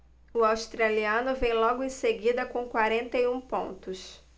o australiano vem logo em seguida com quarenta e um pontos